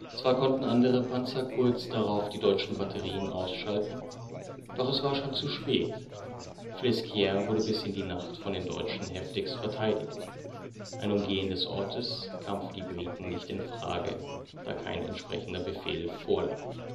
Zwar konnten andere Panzer kurz darauf die deutschen Batterien ausschalten, doch es war schon zu spät. Flesquières wurde bis in die Nacht von den Deutschen heftigst verteidigt. Ein Umgehen des Orts kam für die Briten nicht in Frage, da kein entsprechender Befehl vorlag